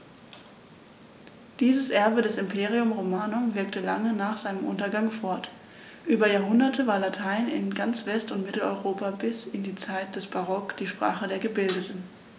Dieses Erbe des Imperium Romanum wirkte lange nach seinem Untergang fort: Über Jahrhunderte war Latein in ganz West- und Mitteleuropa bis in die Zeit des Barock die Sprache der Gebildeten.